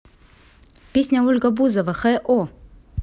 песня ольга бузова x o